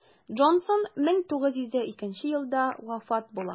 Джонсон 1902 елда вафат була.